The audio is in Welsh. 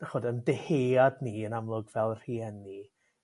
dych'od 'yn deheuad ni yn amlwg fel rhieni